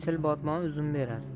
chil botmon uzum berar